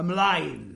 Ymlaen!